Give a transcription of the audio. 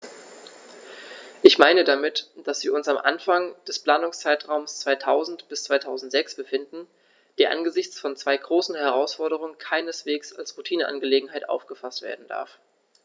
Ich meine damit, dass wir uns am Anfang des Planungszeitraums 2000-2006 befinden, der angesichts von zwei großen Herausforderungen keineswegs als Routineangelegenheit aufgefaßt werden darf.